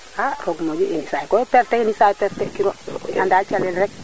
a roog moƴu yenisaay koy o perdre yenisaay perdre kiro anda calel rek